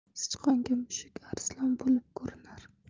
sichqonga mushuk arslon bo'lib ko'rinar